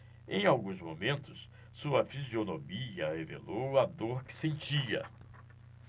em alguns momentos sua fisionomia revelou a dor que sentia